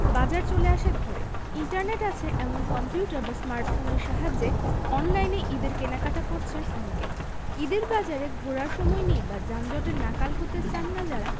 বাজার চলে আসে ঘরে ইন্টারনেট আছে এমন কম্পিউটার বা স্মার্টফোনের সাহায্যে অনলাইনে ঈদের কেনাকাটা করছেন অনেকে ঈদের বাজারে ঘোরার সময় নেই বা যানজটে নাকাল হতে চান না যাঁরা